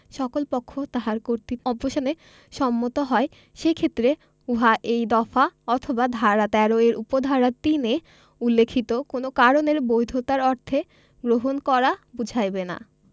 সকল পক্ষ তাহার কর্তৃত্বের অবসানে সম্মত হয় সেইক্ষেত্রে উহা এই দফা অথবা ধারা ১৩ এর উপ ধারা ৩ এ উল্লেখিত কোন কারণের বৈধতার অর্থে গ্রহণ করা বুঝাইবে না